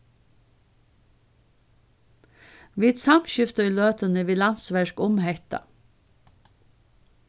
vit samskifta í løtuni við landsverk um hetta